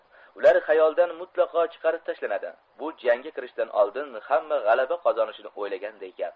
ular xayoldan mutlaqo chi qarib tashlanadi bu jangga kirishdan oldin hamma g'alaba qozo nishni o'ylaganday gap